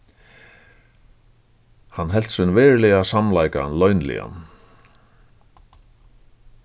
hann helt sín veruliga samleika loyniligan